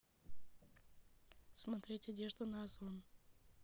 посмотреть одежду на озон